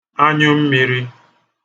anyụmmiri